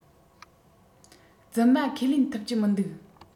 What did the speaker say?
རྫུན མ ཁས ལེན ཐུབ ཀྱི མི འདུག